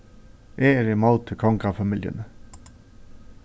eg eri ímóti kongafamiljuni